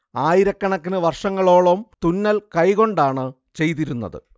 ആയിരക്കണക്കിന് വർഷങ്ങളോളം തുന്നൽ കൈകൊണ്ടാണ് ചെയ്തിരുന്നത്